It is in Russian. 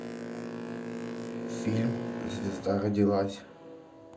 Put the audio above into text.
фильм звезда родилась